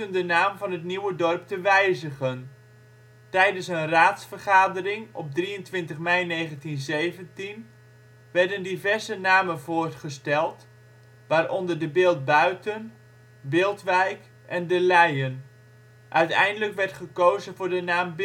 de naam van het nieuwe dorp te wijzigen. Tijdens een raadsvergadering op 23 mei 1917 werden diverse namen voorgesteld, waaronder De Bilt-Buiten, Biltwijk en De Leyen. Uiteindelijk werd gekozen voor de naam